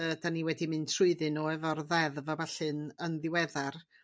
y ydan ni wedi mynd trwyddyn nhw efo'r ddeddf a ballu'n yn ddiweddar.